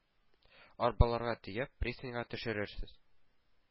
Арбаларга төяп пристаньга төшерерсез.